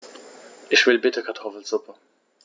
Ich will bitte Kartoffelsuppe.